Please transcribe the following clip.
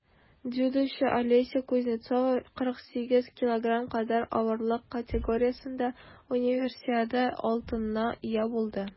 Дзюдочы Алеся Кузнецова 48 кг кадәр авырлык категориясендә Универсиада алтынына ия булды.